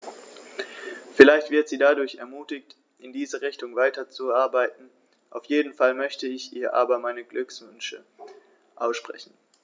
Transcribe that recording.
Vielleicht wird sie dadurch ermutigt, in diese Richtung weiterzuarbeiten, auf jeden Fall möchte ich ihr aber meine Glückwünsche aussprechen.